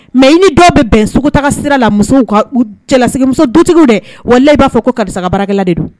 Mɛ i ni dɔw bɛ bɛn sogotaa sira la musow ka cɛlamuso dutigiw dɛ wa b'a fɔ ko karisasa ka barala de do